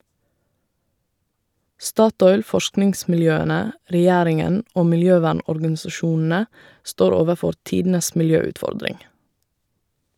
Statoil, forskningsmiljøene, regjeringen og miljøvernorganisasjonene står overfor tidenes miljøutfordring.